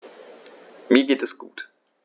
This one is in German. Mir geht es gut.